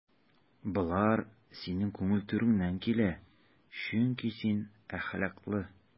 Болар синең күңел түреннән килә, чөнки син әхлаклы.